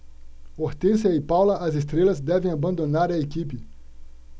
hortência e paula as estrelas devem abandonar a equipe